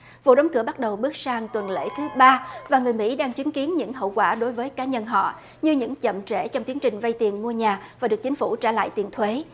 vụ đóng cửa bắt đầu bước sang tuần lễ thứ ba và người mỹ đang chứng kiến những hậu quả đối với cá nhân họ như những chậm trễ trong tiến trình vay tiền mua nhà và được chính phủ trả lại tiền thuế